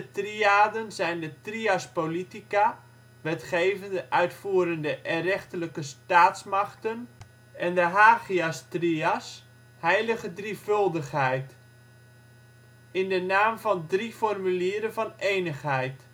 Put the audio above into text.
triaden zijn de trias politica (wetgevende, uitvoerende en rechterlijke staatsmachten) en de Agias trias (Heilige Drievuldigheid). In de naam van Drie Formulieren van Enigheid